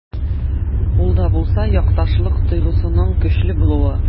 Ул да булса— якташлык тойгысының көчле булуы.